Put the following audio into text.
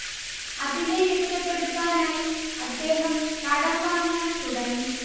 അതിനെ രക്ഷപെടുത്താനായി അദ്ദേഹം കടം വാങ്ങാൻ തുടങ്ങി